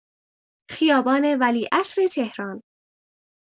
خیابان ولیعصر تهران